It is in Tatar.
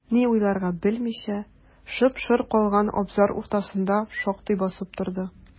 Ни уйларга белмичә, шып-шыр калган абзар уртасында шактый басып торды.